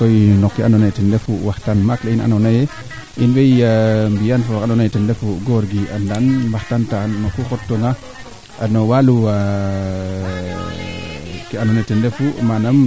ndax i naanga ndeta boo mbaxtu ne i njasa kaaf ke in variété fee i njeŋ na in wene an naye nee foora teela soo deno de soogo njasaato dara ne yaqwaa na kangaf den ndaa koy